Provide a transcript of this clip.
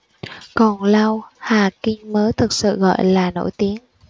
còn lâu hà kin mới thực sự gọi là nổi tiếng